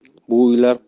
bu uylar